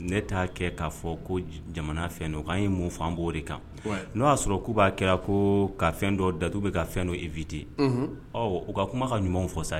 Ne'a kɛ k'a fɔ ko jamana fɛn don k'an ye mun fan b' o de kan n'o y'a sɔrɔ k' b'a kɛ ko ka fɛn dɔ datu bɛ ka fɛn dɔ i vti u ka kuma ka ɲumanw fɔsa ye